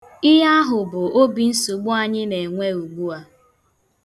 Ihe ahụ bụ obi nsogbu anyị na-enwe ugbua.